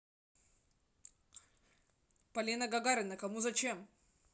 полина гагарина кому зачем